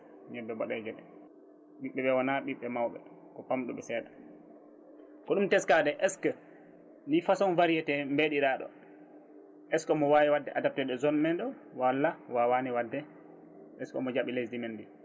ñebbe boɗejeɗe ɓiɓɓeɓe woona ɓiɓɓe mawɓe ko pamɗuɗe seeɗa ko ɗum teskade est ce que li façon variété mbeɗiraɗo est ce que omo wawi wadde adapté ɗo zone men ɗo walla wawani wadde est ce que omo jaaɓa leydi men ndi